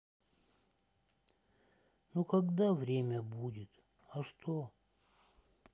ну когда время будет а что